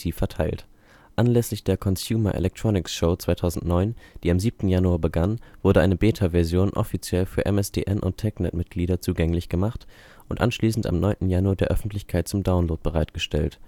verteilt. Anlässlich der Consumer Electronics Show 2009, die am 7. Januar begann, wurde eine Beta-Version offiziell für MSDN - und TechNet-Mitglieder zugänglich gemacht und anschließend am 9. Januar der Öffentlichkeit zum Download bereitgestellt